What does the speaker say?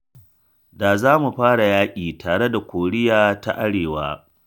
“Da za mu fara yaƙi tare da Koriya ta Arewa.